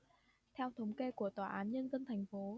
theo thống kê của tòa án nhân dân thành phố